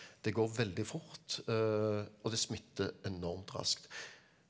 det går veldig fort og det smitter enormt raskt.